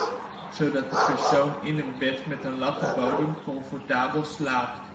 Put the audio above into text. zodat de persoon in een bed met een lattenbodem comfortabel slaapt